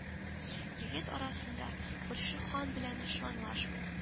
Егет арасында күрше хан белән дошманлашмыйк